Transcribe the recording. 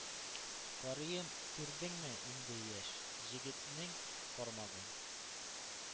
Кариэм, күрдеңме инде яшь Җегетнең кармагын!